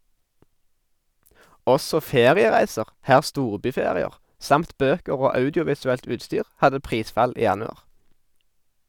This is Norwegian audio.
Også feriereiser, her storbyferier, samt bøker og audiovisuelt utstyr hadde prisfall i januar.